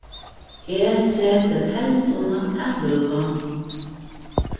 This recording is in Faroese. eg seti telduna at løða